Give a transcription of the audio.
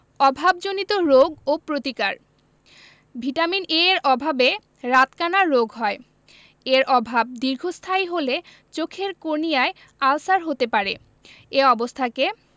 অভাবজনিত রোগ ও প্রতিকার ভিটামিন A এর অভাবে রাতকানা রোগ হয় এর অভাব দীর্ঘস্থায়ী হলে চোখের কর্নিয়ায় আলসার হতে পারে এ অবস্থাকে